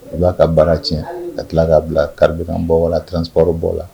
I b'a ka baara tiɲɛ ka tila k'a bila karikan bɔ la tranp bɔ la